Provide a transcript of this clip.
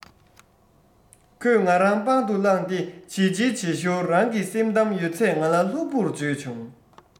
ཁོས ང རང པང དུ བླངས ཏེ བྱིལ བྱིལ བྱེད ཞོར རང གི སེམས གཏམ ཡོད ཚད ང ལ ལྷུག པོར བརྗོད བྱུང